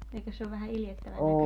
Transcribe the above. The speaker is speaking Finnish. eikös se ole vähän iljettävän näköinen